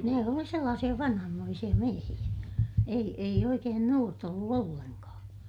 ne oli sellaisia vanhanmoisia miehiä ei ei oikein nuorta ollut ollenkaan